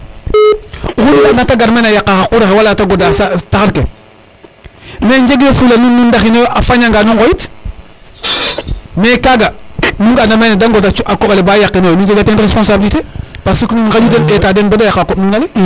mais kaga nu ngana mene de ŋoda koɓale ba yaqino yo nu njega ten responsabliter parce que nuun ŋaƴu den ndeta den bata yaqa koɓ nuun nale